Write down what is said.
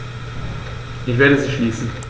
Ich werde sie schließen.